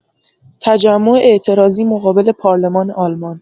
تجمع اعتراضی مقابل پارلمان آلمان